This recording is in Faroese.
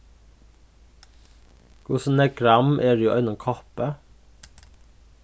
hvussu nógv gramm eru í einum koppi